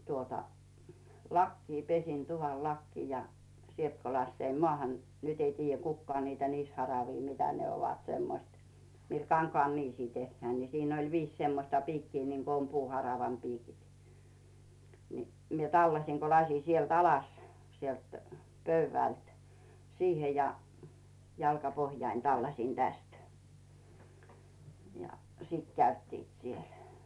tuota lakea pesin tuvan lakea ja sieltä kun laskeuduin maahan nyt ei tiedä kukaan niitä niisiharavia mitä ne ovat semmoiset millä kankaan niisiä tehdään niin siinä oli viisi semmoista piikkiä niin kuin on puuharavan piikit niin minä tallasin kun laskin sieltä alas sieltä pöydältä siihen ja jalkapohjani tallasin tästä ja siitä käyttivät siellä